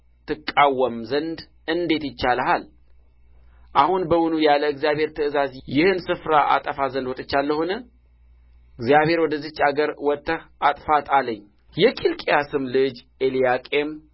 ትቃወም ዘንድ እንዴት ይቻልሃል አሁን በውኑ ያለ እግዚአብሔር ትእዛዝ ይህን ስፍራ አጠፋ ዘንድ ወጥቻለሁን እግዚአብሔር ወደዚች አገር ወጥተህ አጥፋት አለኝ የኬልቅያስም ልጅ ኤልያቄም